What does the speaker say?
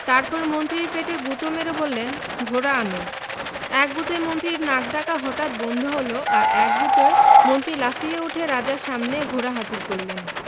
তারপর মন্ত্রীর পেটে গুতো মেরে বললেন ঘোড়া আন এক গুতোয় মন্ত্রীর নাক ডাকা হঠাৎ বন্ধ হল আর এক গুতোয় মন্ত্রী লাফিয়ে উঠে রাজার সামনে ঘোড়া হাজির করলেন